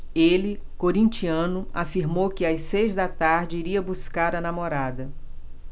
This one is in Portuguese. ele corintiano afirmou que às seis da tarde iria buscar a namorada